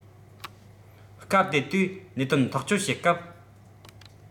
སྐབས དེ དུས གནད དོན ཐག གཅོད བྱེད སྐབས